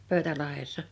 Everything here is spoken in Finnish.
Pöytälahdessa